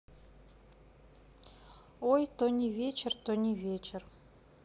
ой то не вечер то не вечер